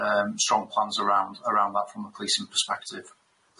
yym strong plans around around that from a policing perspective.